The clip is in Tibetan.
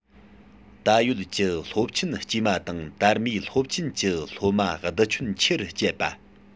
ད ཡོད ཀྱི སློབ ཆེན དཀྱུས མ དང དར མའི སློབ ཆེན གྱི སློབ མ བསྡུ ཁྱོན ཆེ རུ བསྐྱེད པ